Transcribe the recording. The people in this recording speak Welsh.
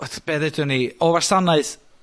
o th- be' ddedwn ni, o wasanaeth